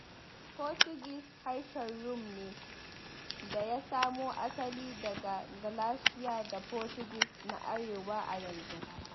Portuguese harshen Rum ne da ya samo asali daga Galicia da Portuguese na arewa a yanzu.